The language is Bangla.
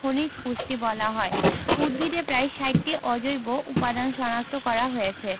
খনিজ পুষ্টি বলা হয় উদ্ভিদে প্রায় ৬০টি অজৈব উপাদান শনাক্ত করা হয়েছে